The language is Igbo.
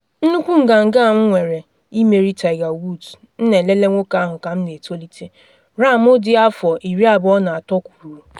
“Nnukwu nganga a m nwere, imeri Tiger Woods, m na elele nwoke ahụ ka m na etolite,” Rahm dị afọ 23 kwuru.